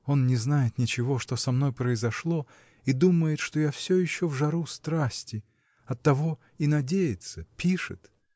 Он не знает ничего, что со мной произошло, и думает, что я всё еще в жару страсти, оттого и надеется, пишет.